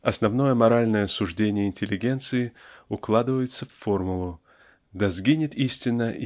Основное моральное суждение интеллигенции укладывается в формулу да сгинет истина